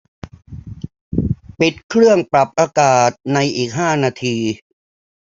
ปิดเครื่องปรับอากาศในอีกห้านาที